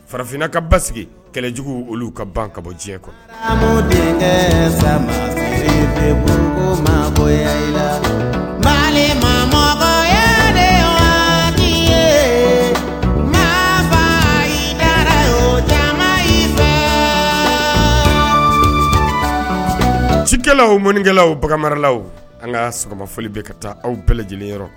Farafinna ka ba sigi kɛlɛjugu olu ka ban ka bɔ diɲɛ kɔ sa sama bɛ ma ye maa caman cikɛlaw mɔnikɛlalaw an ka sɔgɔma fɔli bɛ ka taa anw bɛɛlɛ lajɛlenyɔrɔ